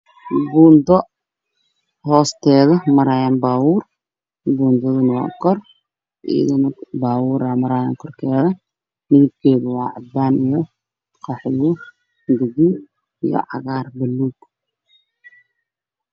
Meeshaan waa buundo ay hoosteeda maraayan baabuur